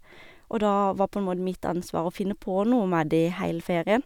Og da var på en måte mitt ansvar å finne på noe med de heile ferien.